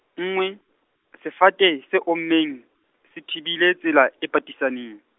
nngwe, sefate, se ommeng, se thibile, tsela, e patisaneng.